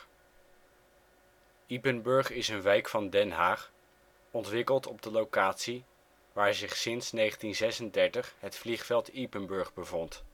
Ypenburg is een wijk van Den Haag, ontwikkeld op de locatie waar zich sinds 1936 het Vliegveld Ypenburg bevond